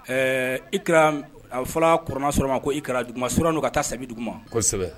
Ɛɛ ikira a fɔra kuranɛ sɔrɔlen ma ko ikira duguma suran don ka taa sabi duguma, kosɛbɛ